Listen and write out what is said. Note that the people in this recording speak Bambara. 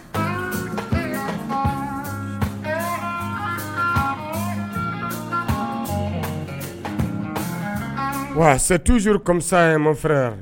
San wa se tuuur kamisa ye ma fɛ yan